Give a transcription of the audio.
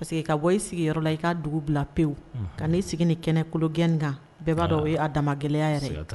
Parce que ka bɔ i sigiyɔrɔ la . Ki ka dugu bila pewu. Ka ni sigi ni kɛnɛ kolo gɛn in kan bɛɛ ba dɔn o ya da gɛlɛya yɛrɛ ye.